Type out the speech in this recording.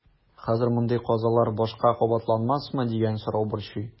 Хәзер мондый казалар башка кабатланмасмы дигән сорау борчый.